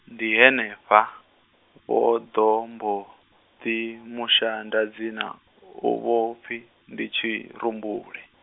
ndi henefha, vho ḓo mbo, ḓi musanda dzina, u vho pfi, ndi Tshirumbule.